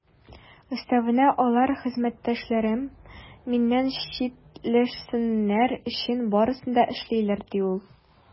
Өстәвенә, алар хезмәттәшләрем миннән читләшсеннәр өчен барысын да эшлиләр, - ди ул.